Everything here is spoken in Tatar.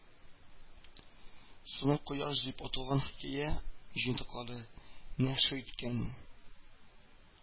Соңгы кояш дип аталган хикәя җыентыклары нәшер иткән